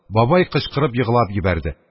Бабай кычкырып еглап йибәрде.